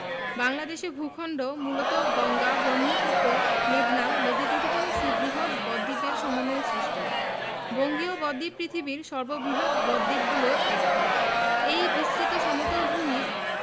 বাংলাদেশের ভূখন্ড মূলত গঙ্গা ব্রহ্মপুত্র মেঘনা নদীগঠিত সুবৃহৎ বদ্বীপের সমন্বয়ে সৃষ্ট বঙ্গীয় বদ্বীপ পৃথিবীর সর্ববৃহৎ বদ্বীপগুলোর একটি এই বিস্তৃত সমতল ভূমির